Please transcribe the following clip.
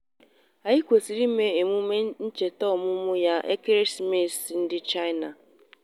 Anyị kwesịrị ime emume ncheta ọmụmụ ya ekeresimesi ndị China.